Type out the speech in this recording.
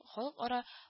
Халыкара